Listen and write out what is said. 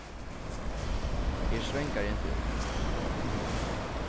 eg eri svangari enn tú